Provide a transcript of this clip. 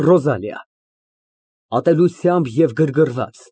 ՌՈԶԱԼԻԱ ֊ (Ատելությամբ և գրգռված)։